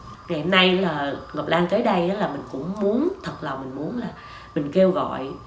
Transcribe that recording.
hiện nay là ngọc lan tới đây là mình cũng muốn thật lòng muốn là mình kêu gọi